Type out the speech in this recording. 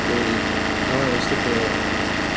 Dwi 'di- wnai ddangos dipyn o...